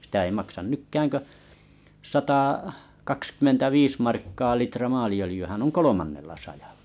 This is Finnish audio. sitä ei maksa nytkään kuin - satakaksikymmentäviisi markkaa litra maaliöljyhän on kolmannella sadalla